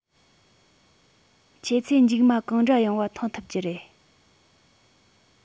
ཁྱེད ཚོས མཇུག མ གང འདྲ ཡོང བ མཐོང ཐུབ ཀྱི རེད